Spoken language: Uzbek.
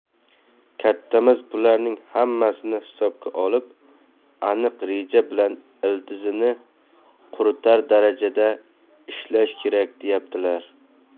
kattamiz bularning hammasini hisobga olib aniq reja bilan ildizni quritar darajada ishlash kerak deyaptilar